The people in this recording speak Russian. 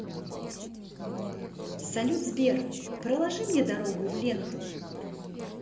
салют сбер проложи мне дорогу в ленту